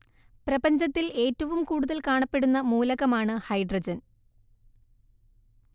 പ്രപഞ്ചത്തില്‍ ഏറ്റവും കൂടുതല്‍ കാണപ്പെടുന്ന മൂലകമാണ് ഹൈഡ്രജന്‍